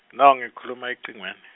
no ngikhuluma ecingweni.